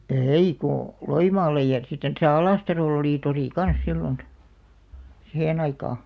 ei kun Loimaalle ja sitten tässä Alastarolla oli tori kanssa silloin siihen aikaan